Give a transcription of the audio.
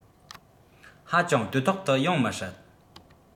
ཧ ཅང དུས ཐོག ཏུ ཡོང མི སྲིད